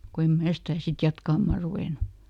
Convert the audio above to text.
kun en minä sitä sitten jatkamaan ruvennut